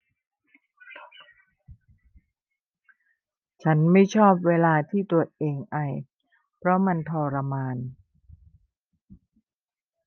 ฉันไม่ชอบเวลาที่ตัวเองไอเพราะมันทรมาน